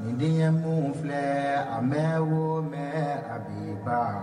Nin den ye minnu filɛ a bɛ wo mɛn a biba